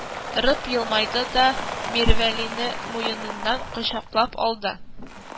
Рып елмайды да мирвәлине муеныннан кочаклап алды